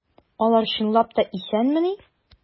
Алар чынлап та исәнмени?